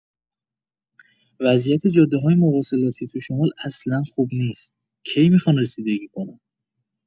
وضعیت جاده‌های مواصلاتی تو شمال اصلا خوب نیست، کی می‌خوان رسیدگی کنن؟